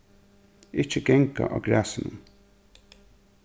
ikki ganga á grasinum